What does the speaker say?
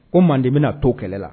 Ko Manden bɛna to kɛlɛ la.